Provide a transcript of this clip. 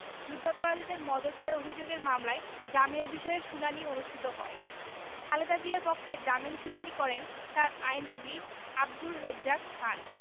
যুদ্ধাপরাধীদের মদদ দেওয়ার অভিযোগের মামলার জামিনের বিষয়ে শুনানি অনুষ্ঠিত হয় খালেদা জিয়ার পক্ষে জামিন শুনানি করেন তার আইনজীবী আব্দুর রেজ্জাক খান